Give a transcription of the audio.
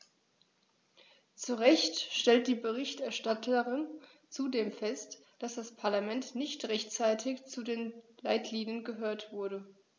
Zu Recht stellt die Berichterstatterin zudem fest, dass das Parlament nicht rechtzeitig zu den Leitlinien gehört wurde.